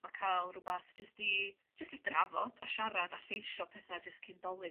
ma' ca'l rwbath jyst i jyst i drafod a siarad a lleisio petha jyst cyn 'Dolig